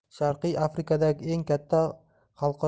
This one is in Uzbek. sharqiy afrikadagi eng katta alqaro